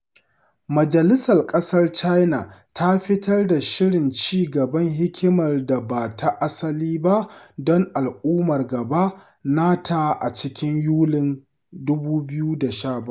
Majalisar Ƙasar China ta fitar da Shirin Ci Gaban Hikimar Da Ba Ta Asali Don Al’ummar Gaba nata a cikin Yulin 2017.